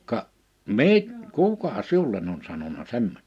ka - kuka sinulle on sanonut semmoista